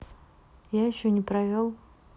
я еще не провел